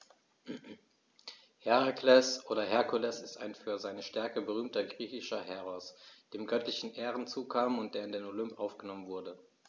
Herakles oder Herkules ist ein für seine Stärke berühmter griechischer Heros, dem göttliche Ehren zukamen und der in den Olymp aufgenommen wurde.